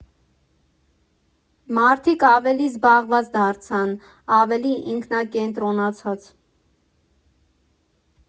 Մարդիկ ավելի զբաղված դարձան, ավելի ինքնակենտրոնացած։